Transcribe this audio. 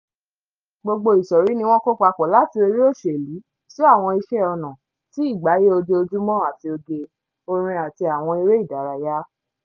Gbogbo ìsọ̀rí ní wọ́n kó papọ̀ láti orí òṣèlú sí àwọn iṣẹ́ ọnà, sí ìgbáyé ojoojúmọ́ àti oge, orin àti àwọn eré ìdárayá.